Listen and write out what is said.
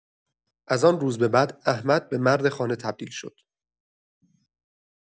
از آن روز به بعد، احمد به مرد خانه تبدیل شد.